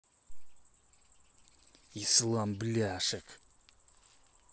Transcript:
ислам бляшек